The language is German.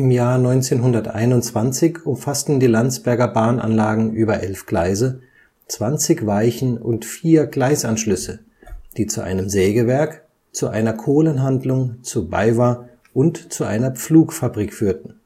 Jahr 1921 umfassten die Landsberger Bahnanlagen über elf Gleise, 20 Weichen und vier Gleisanschlüsse, die zu einem Sägewerk, zu einer Kohlenhandlung, zu BayWa und zu einer Pflugfabrik führten